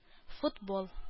Футбол